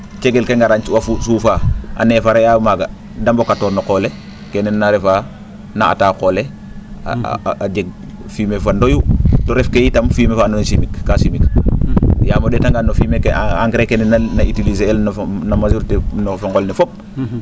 cegel ke a ngar a suufaa a neefare'aayo maaga de mbokatoor no o qol le kene naa refaa naa ata qol le a jeg fumie r fa ndoyu te refkee itam fumier faa andoona yee kaa chimique yaam o ?etangaan no fumier ke engrais naa utiliser el no majorité no fo nqol ne fop